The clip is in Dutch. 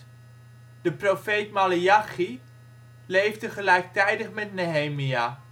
Maleachi leefde gelijktijdig met Nehemia